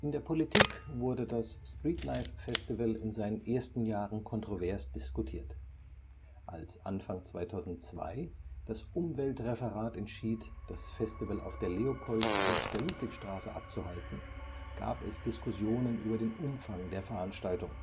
der Politik wurde das Streetlife Festival in seinen ersten Jahren kontrovers diskutiert. Als Anfang 2002 das Umweltreferat entschied, das Festival auf der Leopold - und der Ludwigstraße abzuhalten, gab es Diskussionen über den Umfang der Veranstaltung